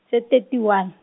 tse thirty one.